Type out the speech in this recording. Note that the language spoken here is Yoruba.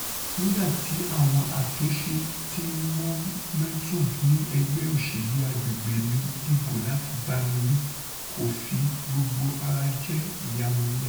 nígbà tí àwọn aṣatúnṣe ti Momentum ni ẹgbẹ́ òṣèlu agbègbè mi dìbò láti bámi wí, kò fi gbogbo ara jẹ́ ìyàlẹ̵́nu.